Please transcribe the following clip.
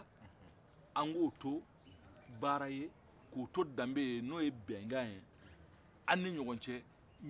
an k'o to baara ye k'o to danbe ye n'o ye bɛnkan ye an ni ɲɔgɔn cɛ